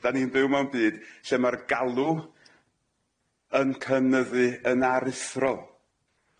'dan ni'n byw mewn byd lle ma'r galw yn cynyddu yn aruthrol.